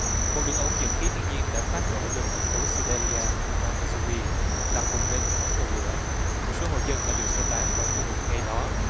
một đường ống dẫn khí thiên nhiên đã phát nổ gần thành phố sờ đe li a thuộc bang mi sô ri làm bùng lên một quả cầu lửa một số hộ dân đã được sơ tán khỏi khu vực ngay đó